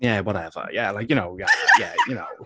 Yeah whatever yeah like you know... ...yeah yeah you know.